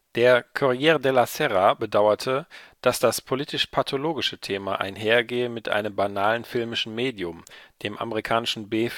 Der Corriere della Sera bedauerte, dass das politisch-pathologische Thema einhergehe mit einem banalen filmischen Medium, dem amerikanischen B-Film